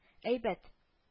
Әйбәт…